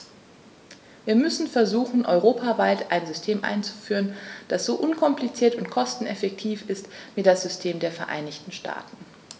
Wir müssen versuchen, europaweit ein System einzuführen, das so unkompliziert und kosteneffektiv ist wie das System der Vereinigten Staaten.